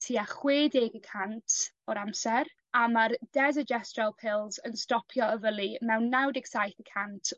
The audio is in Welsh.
tua chwe deg y cant o'r amser a ma'r desogestrel pills yn stopio ofylu mewn naw deg saith y cant